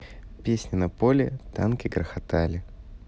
песня на поле танки грохотали